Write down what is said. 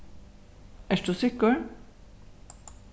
ert tú sikkur